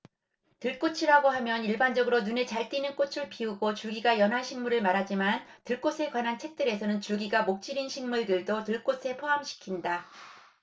들꽃이라고 하면 일반적으로 눈에 잘 띄는 꽃을 피우고 줄기가 연한 식물을 말하지만 들꽃에 관한 책들에서는 줄기가 목질인 식물들도 들꽃에 포함시킨다